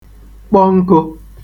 kpọ nkụ̄